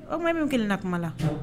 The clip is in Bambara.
Ɔ tuma min kelen na kuma na